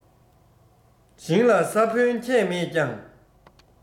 ཞིང ལ ས བོན ཁྱད མེད ཀྱང